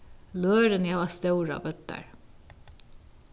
lørini hava stórar vøddar